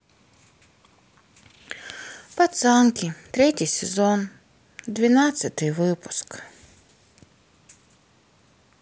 пацанки третий сезон двенадцатый выпуск